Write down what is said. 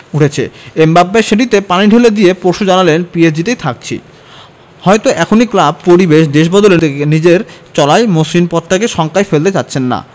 উঠেছে এমবাপ্পে সেটিতে পানি ঢেলে দিয়ে পরশু জানালেন পিএসজিতেই থাকছি হয়তো এখনই ক্লাব পরিবেশ দেশ বদলে নিজের চলায় মসৃণ পথটাকে শঙ্কায় ফেলতে চাচ্ছেন না